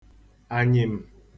ànyị̀m̀